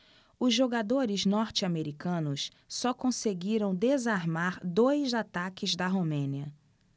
os jogadores norte-americanos só conseguiram desarmar dois ataques da romênia